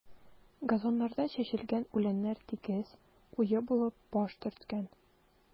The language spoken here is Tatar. Газоннарда чәчелгән үләннәр тигез, куе булып баш төрткән.